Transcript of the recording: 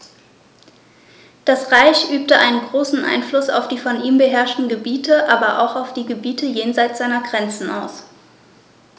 Das Reich übte einen großen Einfluss auf die von ihm beherrschten Gebiete, aber auch auf die Gebiete jenseits seiner Grenzen aus.